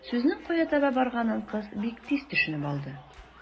Сүзнең кая таба барганын кыз бик тиз төшенеп алды.